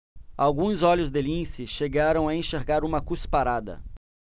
alguns olhos de lince chegaram a enxergar uma cusparada